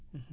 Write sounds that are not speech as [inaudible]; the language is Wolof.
[hesitation] [hesitation]